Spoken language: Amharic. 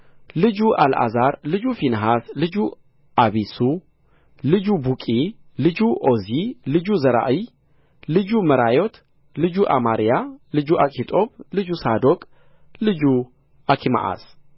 ልጁ አልዓዛር ልጁ ፊንሐስ ልጁ አቢሱ ልጁ ቡቂ ልጁ ኦዚ ልጁ ዘራእያ ልጁ መራዮት ልጁ አማርያ ልጁ አኪጦብ ልጁ ሳዶቅ ልጁ አኪማአስ